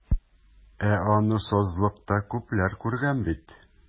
Ә аны сазлыкта күпләр күргән бит.